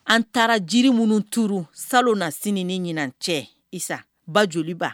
An taara jiri minnu turu salon na sini ni ɲinan cɛ Isa ba joliba